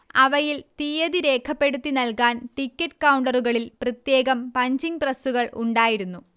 അവയിൽ തീയതി രേഖപ്പെടുത്തി നൽകാൻ ടിക്കറ്റ് കൗണ്ടറുകളിൽ പ്രത്യേകം പഞ്ചിങ് പ്രസ്സുകൾ ഉണ്ടായിരുന്നു